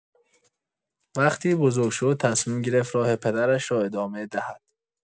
وقتی بزرگ شد، تصمیم گرفت راه پدرش را ادامه دهد.